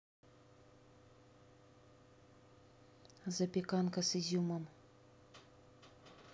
запеканка с изюмом